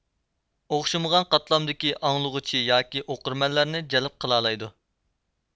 ئوخشاشمىغان قاتلامدىكى ئاڭلىغۇچى ياكى ئوقۇرمەنلەرنى جەلپ قىلالايدۇ